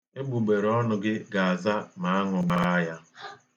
Egbugberonụ gị ga-aza ma aṅụ gbaa ya.